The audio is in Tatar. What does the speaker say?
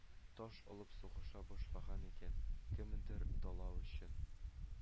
Таш алып сугыша башлаган икән, кемнедер талау өчен